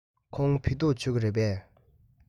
ཁོང བོད ཐུག མཆོད ཀྱི རེད པས